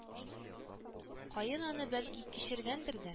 Каен аны, бәлки, кичергәндер дә